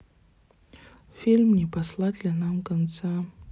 фильм не послать ли нам гонца